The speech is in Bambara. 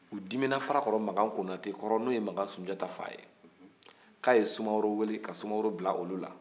u dimina farakɔrɔ makan konate kɔrɔ n'o ye makan sunjata fa ye k'a ye sumaworo wele ka sumaworo bila olu la